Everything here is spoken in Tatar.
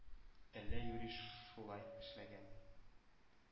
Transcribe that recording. Әллә юри шулай эшләгән,